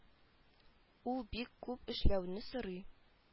Ул бик күп эшләүне сорый